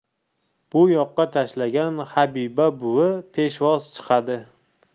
bu yoqqa tashlagan habiba buvi peshvoz chiqadi